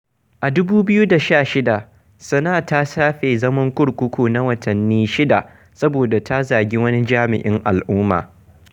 A 2016, Sanaa ta shafe zaman kurkuku na watanni shida saboda ta zagi wani jami'in al'umma.